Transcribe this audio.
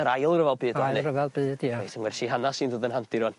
yr ail ryfel byd . Ail rhyfel byd ia. 'yn gwersi hanas i'n ddod yn handi rŵan.